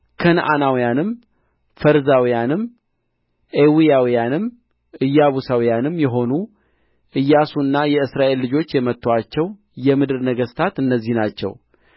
ከነዓናውያንም ፌርዛውያንም ኤዊያውያንም ኢያቡሳውያንም የሆኑ ኢያሱና የእስራኤል ልጆች የመቱአቸው የምድር ነገሥታት እነዚህ ናቸው